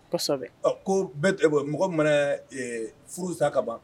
Sɔ ko mɔgɔ mana furu ta ka ban